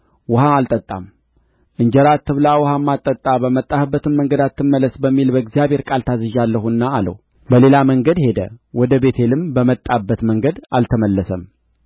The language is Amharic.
ውኃም አልጠጣም እንጀራ አትብላ ውኃም አትጠጣ በመጣህበትም መንገድ አትመለስ በሚል በእግዚአብሔር ቃል ታዝዤአለሁና አለው በሌላም መንገድ ሄደ ወደ ቤቴልም በመጣበት መንገድ አልተመለሰም